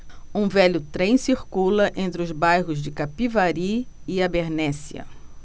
um velho trem circula entre os bairros de capivari e abernéssia